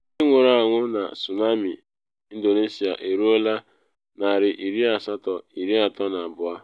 Ndị nwụrụ anwụ na tsunami Indonesia eruola 832